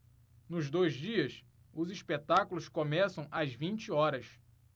nos dois dias os espetáculos começam às vinte horas